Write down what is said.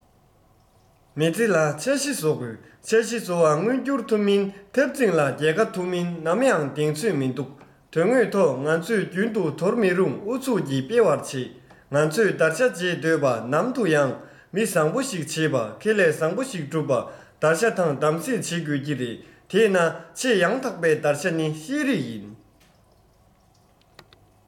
མི ཚེ ལ འཆར གཞི བཟོ དགོས འཆར གཞི བཟོས བ མངོན འགྱུར ཐུབ མིན འཐབ འཛིང ལ རྒྱལ ཁ ཐོབ མིན ནམ ཡང གདེང ཚད མིན འདུག དོན དངོས ཐོག ང ཚོས རྒྱུན དུ འདོར མི རུང ཨུ ཚུགས ཀྱིས སྤེལ བར བྱེད ང ཚོས བདར ཤ བྱེད འདོད པ ནམ དུ ཡང མི བཟང བོ ཞིག བྱེད པ ཁེ ལས བཟང བོ ཞིག བསྒྲུབ པ བདར ཤ དང གདམ གསེས བྱ དགོས ཀྱི རེད དེས ན ཆེས ཡང དག པའི བདར ཤ ནི ཤེས རིག ཡིན